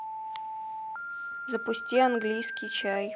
запусти английский чай